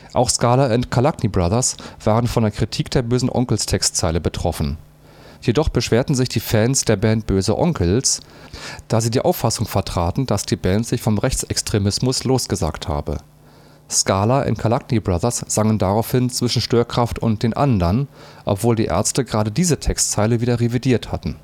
Auch Scala & Kolacny Brothers waren von der Kritik der Böhse-Onkelz-Textzeile betroffen. Jedoch beschwerten sich die Fans der Band Böhse Onkelz, da sie die Auffassung vertraten, dass die Band sich vom Rechtsextremismus losgesagt habe. Scala & Kolacny Brothers sangen daraufhin „ Zwischen Störkraft und den andern… “, obwohl die Ärzte gerade diese Textzeile wieder revidiert hatten